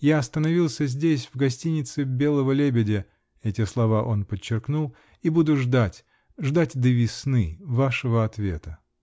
Я остановился здесь, в гостинице Белого лебедя (эти слова он подчеркнул) и буду ждать -- ждать до весны -- вашего ответа".